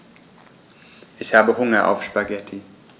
Ich habe Hunger auf Spaghetti.